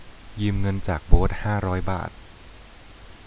ยืมเงินจากโบ๊ทห้าร้อยบาท